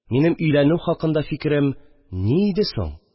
Минем өйләнү хакында фикерем ни иде соң